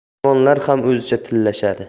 hayvonlar ham o'zicha tillashadi